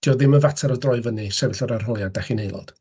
Dio ddim yn fater o droi fyny, sefyll yr arholiad, dach chi'n aelod.